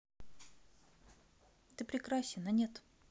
ты прекрасен анет